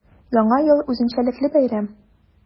Яңа ел – үзенчәлекле бәйрәм.